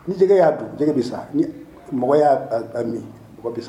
Ni jɛgɛ y'a don jɛgɛ bɛ sa mɔgɔ y'a min mɔgɔ bɛ sa